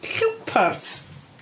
Llewpart?!